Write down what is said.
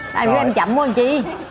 ai biểu em chậm quá làm chi